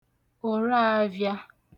òraavị̄ā